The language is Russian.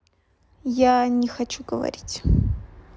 я не хочу говорить